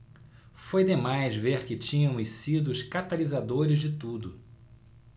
foi demais ver que tínhamos sido os catalisadores de tudo